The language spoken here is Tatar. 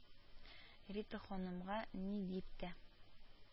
Рита ханымга ни дип тә